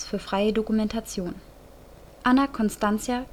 freie Dokumentation. Anna Constantia